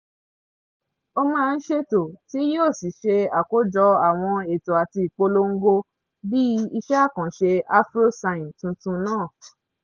Ó máa ń ṣètò tí yóò sì ṣe àkójọ àwọn ètò àti ìpolongo bíi iṣẹ́ àkànṣe AfroCine tuntun náà.